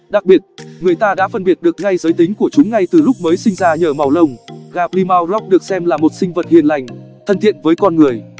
đặc biệt người ta đã phân biệt được ngay giới tính của chúng ngay từ lúc mới sinh ra nhờ màu lông gà plymouth rock được xem là một sinh vật hiền lành thân thiện với con người